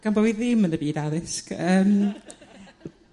Gan bo' fi ddim yn y byd addysg yrm .